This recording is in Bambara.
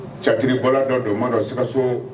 Catiriri bɔra dɔ don o madɔ sikaso